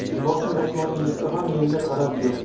boshing osmonga yetsa ham yerga qarab yur